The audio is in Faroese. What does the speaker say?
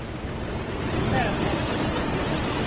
svara boðunum